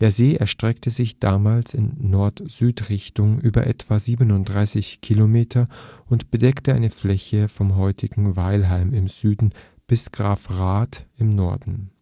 See erstreckte sich damals in Nord-Süd-Richtung über etwa 37 km und bedeckte eine Fläche vom heutigen Weilheim im Süden bis Grafrath im Norden